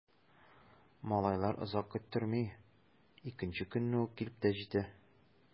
Малайлар озак көттерми— икенче көнне үк килеп тә җитә.